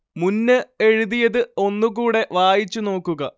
മുന്ന് എഴുതിയത് ഒന്നു കൂടെ വായിച്ചു നോക്കുക